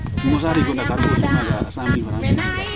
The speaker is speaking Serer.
mosa riigo Ndakarou jeg ma cent mille